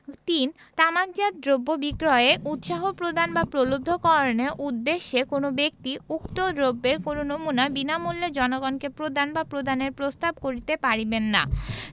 ৩ তামাকজাত দ্রব্য বিক্রয়ে উৎসাহ প্রদান বা প্রলুব্ধকরণের উদ্দেশ্যে কোন ব্যক্তি উক্ত দ্রব্যের কোন নমুনা বিনামূল্যে জনগণকে প্রদান বা প্রদানের প্রস্তাব করিতে পারিবেন না